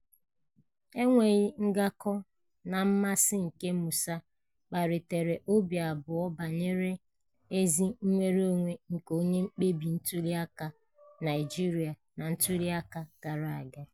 Enweghị ngakọ na mmasị nke Musa kpalitere obi abụọ banyere ezi nnwere onwe nke onye mkpebi ntụliaka Naịjirịa na ntụliaka gara aga.